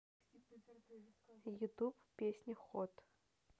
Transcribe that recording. ютуб песня хот